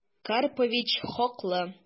Карпович хаклы...